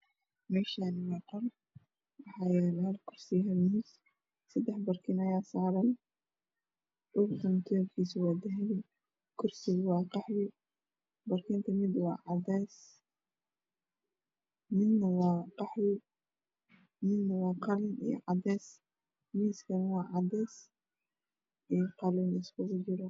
M3shaaniw aa qol waxaayala miis sadax parkin aayaa saran kursigu waa qaxi barkinta mid waa cadeez midna waa qalin iyo cdees miiskana waa cdees iyo qlin iskugu jiro